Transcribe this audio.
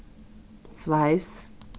sveis